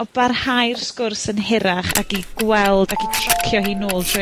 o barhau'r sgwrs yn hirach ac i gweld ac i tracio hi nôl trwy...